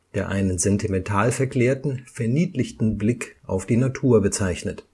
der einen sentimental verklärten, verniedlichten Blick auf die Natur bezeichnet